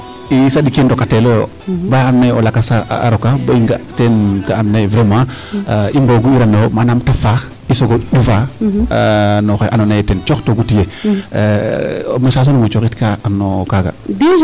i saɗ kee ndokateloyo baya and naye o lakas a roka bo i nga teen kaa ando naye vraiment i mbogi'irano yo manaam te faax i soogo njufa no xee ando naye ten coox toogu tiye o message o lum o cooxit kaa no kaaga